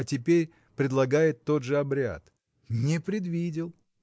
а теперь предлагает тот же обряд! Не предвидел!